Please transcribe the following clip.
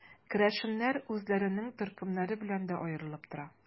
Керәшеннәр үзләренең төркемнәре белән дә аерылып тора.